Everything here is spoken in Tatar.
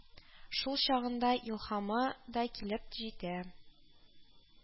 Шул чагында илһамы да килеп җитә